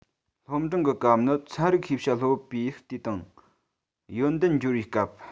སློབ འབྲིང གི སྐབས ནི ཚན རིག ཤེས བྱ སློབ པའི དུས དང ཡོན ཏན འབྱོར བའི སྐབས